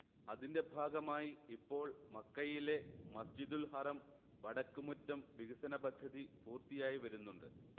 അതിന്റെ ഭാഗമായി ഇപ്പോൾ മക്കയിലെ മസ്ജിദുൽ ഹറം വടക്ക് മുറ്റം വികസനപദ്ധതി പൂർത്തിയായി വരുന്നുണ്ട്